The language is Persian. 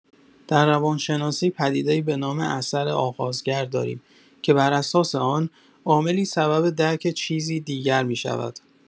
در روان‌شناسی پدیده‌ای به نام «اثر آغازگر» داریم که بر اساس آن، عاملی سبب درک چیزی دیگر می‌شود.